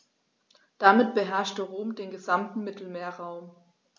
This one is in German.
Damit beherrschte Rom den gesamten Mittelmeerraum.